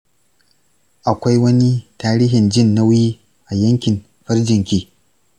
akwai wani tarihin jin nauyi a yankin farjinki?